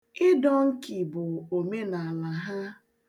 Ịdọ nki bụ omenaala ha.